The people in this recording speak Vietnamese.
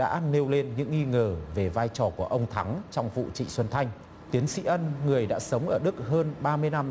đã nêu lên những nghi ngờ về vai trò của ông thắng trong vụ trịnh xuân thanh tiến sĩ ân người đã sống ở đức hơn ba mươi năm